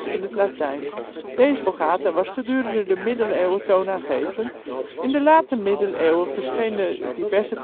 in het Latijn; deze Vulgata was gedurende de Middeleeuwen toonaangevend. In de late Middeleeuwen verschenen diverse